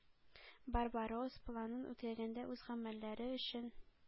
“барбаросс” планын үтәгәндә үз гамәлләре өчен